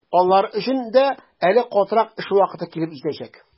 Алар өчен дә әле катырак эш вакыты килеп җитәчәк.